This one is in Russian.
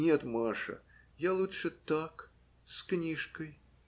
- Нет, Маша, я лучше так, с книжкой.